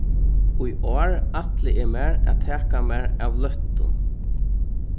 í ár ætli eg mær at taka mær av løttum